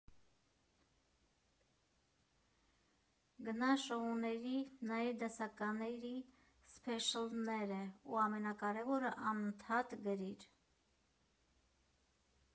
Գնա շոուների, նայիր դասականների սփեշլները ու ամենակարևորը՝ անընդհատ գրիր։